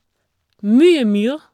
Mye myr.